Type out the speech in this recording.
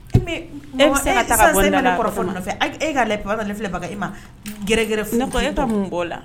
e k'a lajɛ papa filɛ baga e ma gɛrɛgɛrɛ fu la, e ka mun b'o la